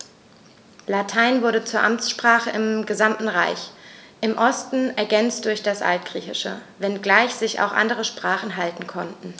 Latein wurde zur Amtssprache im gesamten Reich (im Osten ergänzt durch das Altgriechische), wenngleich sich auch andere Sprachen halten konnten.